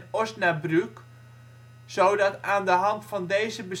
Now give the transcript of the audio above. Osnabrück, zodat aan de hand van deze